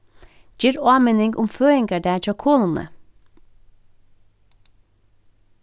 ger áminning um føðingardag hjá konuni